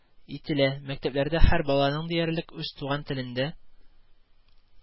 Ителә, мәктәпләрдә һәр баланың диярлек үз туган телендә